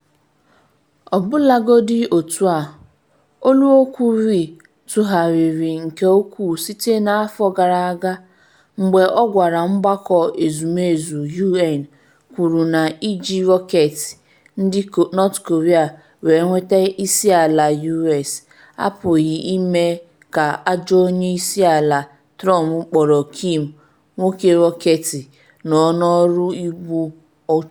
Ọbụlagodi otu a, olu okwu Ri tụgharịrị nke ukwuu site na afọ gara aga, mgbe ọ gwara Mgbakọ Ezumezu U.N. kwuru na iji rọketị ndị North Korea wee nweta isi ala U.S. apụghị ime, ka “Ajọ Onye Isi Ala” Trump kpọrọ Kim “nwoke rọketị” nọ n’ọrụ igbu ọchụ.